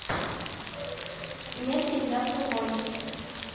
нет нельзя в другой